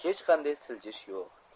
hech qanday siljish yo'q